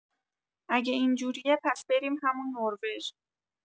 اگه اینجوریه پس بریم همون نروژ